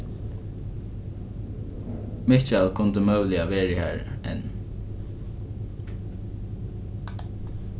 mikkjal kundi møguliga verið har enn